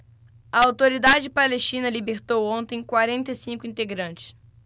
a autoridade palestina libertou ontem quarenta e cinco integrantes